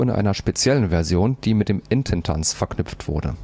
einer speziellen Version, die mit dem „ Ententanz “verknüpft wurde